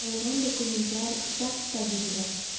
Калган документлар ЗАГСта бирелә.